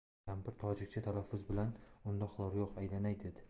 kampir tojikcha talaffuz bilan undoqlar yo'q aylanay dedi